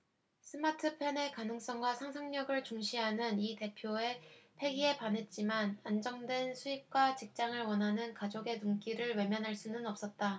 스마트펜의 가능성과 상상력을 중시하는 이 대표의 패기에 반했지만 안정된 수입과 직장을 원하는 가족의 눈길을 외면할 수는 없었다